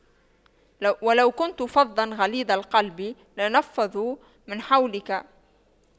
وَلَو كُنتَ فَظًّا غَلِيظَ القَلبِ لاَنفَضُّواْ مِن حَولِكَ